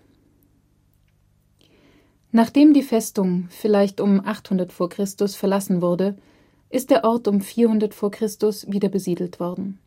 Nachdem die Festung, vielleicht um 800 v. Chr. verlassen wurde, ist der Ort um 400 v. Chr. wieder besiedelt worden